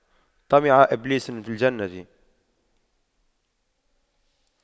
طمع إبليس في الجنة